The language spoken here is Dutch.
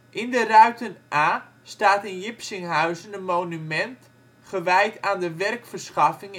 In de Ruiten-Aa staat in Jipsinghuizen een monument gewijd aan de werkverschaffing